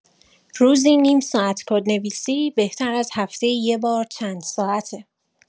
روزی نیم ساعت کدنویسی بهتر از هفته‌ای یه بار چند ساعته.